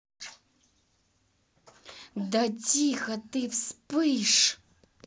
да тихо ты вспыш